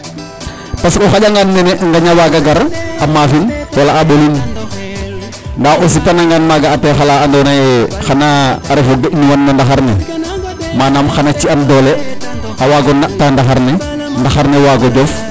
Parce que o xaƴangaan nene nqeñ a waaga gar a maafin wala a ɓolin ndaa o sipanangaan maaga a teex ala andoona yee xan a ref o geƴnuwan no ndaxar ne manam xan a ci'an doole a waag o nata ndaxar ne ndaxar ne waag o jof.